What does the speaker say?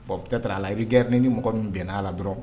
Ɔ bɛ taa a la i bɛi gɛrɛ ni mɔgɔ min bɛn n' la dɔrɔn